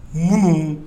Mun